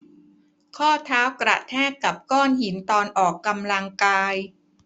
ข้อเท้ากระแทกกับก้อนหินตอนออกกำลังกาย